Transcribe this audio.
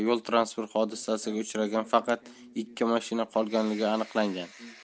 yol transport hodisasiga uchragan faqat ikki mashina qolganligi aniqlangan